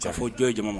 Fa fɔ jɔn ye jama ma